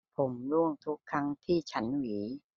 ผมร่วงทุกครั้งที่ฉันหวี